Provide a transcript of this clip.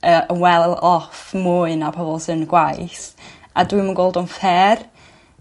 yy yn well off mwy na pobol sy'n gwaith a dwi'm yn gweld o'n fair